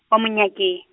wa Monyake.